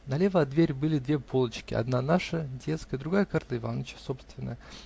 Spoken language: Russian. Налево от двери были две полочки: одна -- наша, детская, другая -- Карла Иваныча, собственная.